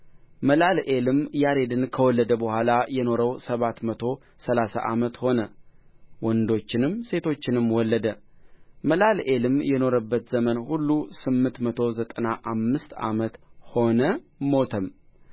መላልኤልም ያሬድን ከወለደ በኋላ የኖረው ሰባት መቶ ሠላሳ ዓመት ሆነ ወንዶችንም ሴቶችንም ወለደ መላልኤልም የኖረበት ዘመን ሁሉ ስምንት መቶ ዘጠና አምስት ዓመት ሆነ ሞተም